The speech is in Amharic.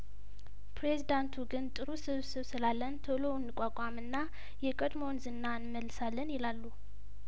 ፕሬዚደንቱ ግን ጥሩ ስብስብ ስላለን ቶሎ እንቋቋምና የቀድሞውን ዝና እንመልሳለን ይላሉ